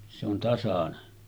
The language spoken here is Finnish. se on tasainen